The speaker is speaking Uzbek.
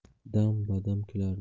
dam badam kulardi